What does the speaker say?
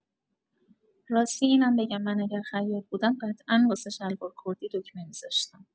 راستی اینم بگم من اگر خیاط بودم قطعا واسه شلوار کردی دکمه می‌زاشتم!